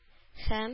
Һәм